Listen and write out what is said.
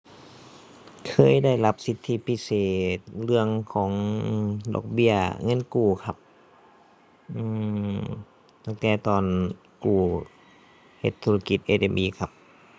เคยได้รับสิทธิพิเศษเรื่องของดอกเบี้ยเงินกู้ครับ อืม ตั้งแต่ตอนกู้เฮ็ดธุรกิจ SME ครับ